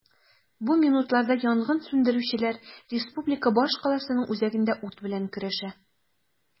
Бу минутларда янгын сүндерүчеләр республика башкаласының үзәгендә ут белән көрәшә.